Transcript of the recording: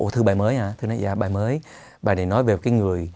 ủa thư bài mới hả thư nó dạ bài mới bài về nói về cái người